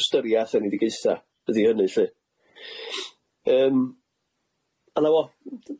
ystyriath enedigaetha ydi hynny lly yym a na fo